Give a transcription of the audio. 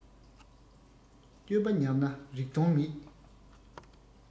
སྤྱོད པ ཉམས ན རིགས དོན མེད